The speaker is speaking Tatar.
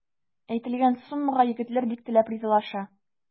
Әйтелгән суммага егетләр бик теләп ризалаша.